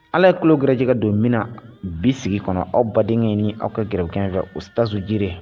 Ala ye tulo gjɛgɛ don min na bi sigi kɔnɔ aw baden n ni aw ka gɛrɛkɛ fɛ u tazji